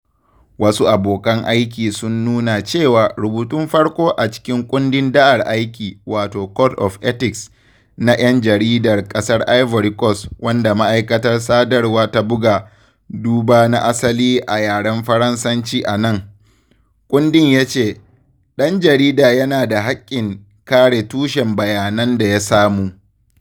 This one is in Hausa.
Wasu abokan aiki sun nuna cewa rubutun farko a cikin Kundin Ɗa'ar Aiki, wato Code of Ethics na 'Yan Jaridar Ƙasar Ivory Coast, wanda Ma’aikatar Sadarwa ta buga (duba na asali a yaren Faransanci anan), kundin ya ce, “Ɗan jarida yana da haƙƙin kare tushen bayanan da ya samu.”